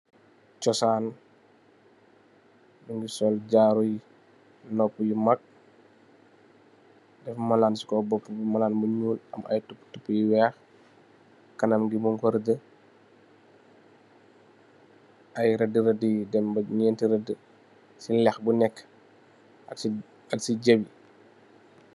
Chusan mungi sol jaaro nopu yu mag, def malan ci kaw boppu bi malan mu ñuul am ay tupu-tupu yu weeh. Kanam ngi mung ko rëdd ay rëdd-rëdd yu dem bah nènt rëdd ci lèh bu nekk ak ci jabi.